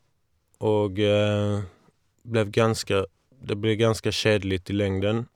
Og ble ganske det ble ganske kjedelig i lengden.